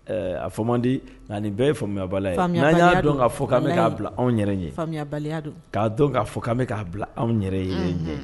A fɔ mandi nka nin bɛɛ ye faamuya bala ye' y'a dɔn ka' k'a bila anw dɔn'a fɔ' bɛ k'a bila anw yɛrɛ